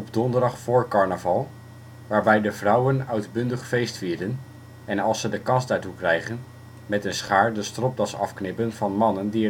donderdag voor carnaval, waarbij de vrouwen uitbundig feestvieren, en als ze de kans daartoe krijgen, met een schaar de stropdas afknippen van mannen die